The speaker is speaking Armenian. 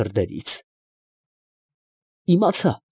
Քրդերից։ ֊ Իմացա։